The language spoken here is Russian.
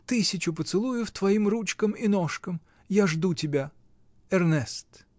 -- Тысячу поцелуев твоим ручкам и ножкам. Я жду тебя. Эрнест".